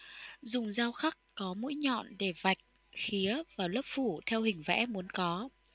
dùng dao khắc có mũi nhọn để vạch khía vào lớp phủ theo hình vẽ muốn có